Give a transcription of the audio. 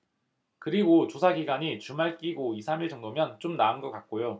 그리고 조사 기간이 주말 끼고 이 삼 일 정도면 좀 나은 것 같고요